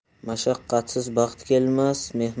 mashaqqatsiz baxt kelmas